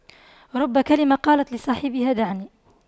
رب كلمة قالت لصاحبها دعني